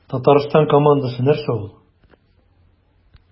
Татарстан командасы нәрсә ул?